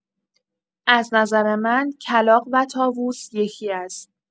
از نظر من کلاغ و طاووس یکی است.